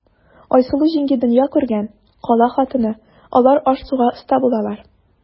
Айсылу җиңги дөнья күргән, кала хатыны, алар аш-суга оста булалар.